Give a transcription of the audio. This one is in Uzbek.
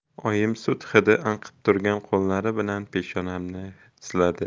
oyim sut hidi anqib turgan qo'llari bilan peshonamni siladi